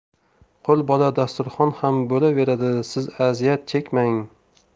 qo'lbola dasturxon ham bo'laveradi siz aziyat chekmang